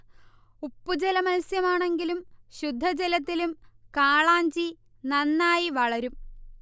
ഉപ്പ്ജല മത്സ്യമാണെങ്കിലും ശുദ്ധജലത്തിലും കാളാഞ്ചി നന്നായി വളരും